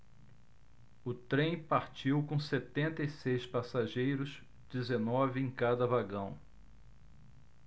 o trem partiu com setenta e seis passageiros dezenove em cada vagão